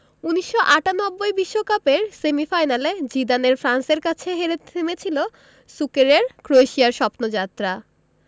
১৯৯৮ বিশ্বকাপের সেমিফাইনালে জিদানের ফ্রান্সের কাছে হেরে থেমেছিল সুকেরের ক্রোয়েশিয়ার স্বপ্নযাত্রা